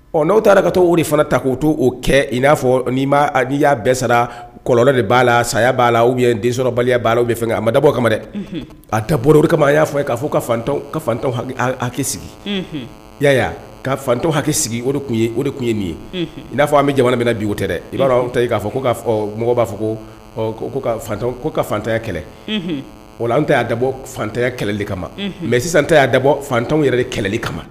Ɔ n'o taara ka taa fana ta k' to oo kɛ i n'a fɔi y'a bɛɛ sara kɔlɔnlɔ de b'a la saya b'a la u ye densɔrɔbaliya b' bɛ fɛ a ma dabɔ kama dɛ a dabɔ kama a y'a fɔ ye ka fɔ ka katan hakɛki sigi ya ka fatan ha hakɛ sigi o de tun ye o de tun ye nin ye n'a fɔ an bɛ jamana bɛna na bi o tɛ dɛ i b'a ta k'a fɔ ko k' mɔgɔ b'a fɔ ko kotan ko ka fatanya kɛlɛ wala an ta y'a dabɔ fantanya kɛlɛli kama mɛ sisan ta y'a dabɔ fatanw yɛrɛ de kɛlɛli kama